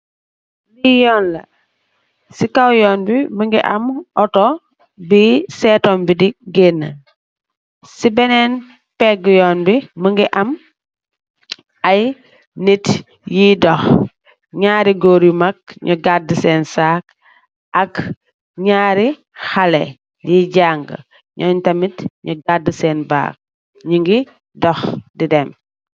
li yoon la, ci kaw yoon bi më ngi am outo bi seetom bi di génn ci beneen pegg yoon bi më ngi am ay nit yiy dox. ñaari góor yu mag ñu gàdd seen saak ak ñaari xale liy jàng ñooñ tamit ñu gàdd seen baag, ñi ngi dox di dem.